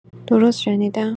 درست شنیدم؟